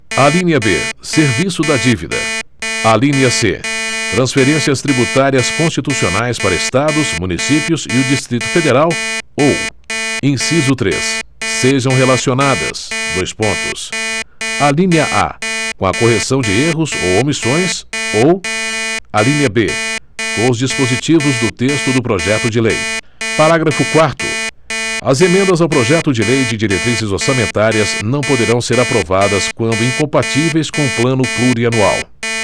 alínea b serviço da dívida alínea c transferências tributárias constitucionais para estados municípios e o distrito federal ou inciso três sejam relacionadas dois pontos alínea a com a correção de erros ou omissões ou alínea b com os dispositivos do texto do projeto de lei parágrafo quarto as emendas ao projeto de lei de diretrizes orçamentárias não poderão ser aprovadas quando incompatíveis com o plano plurianual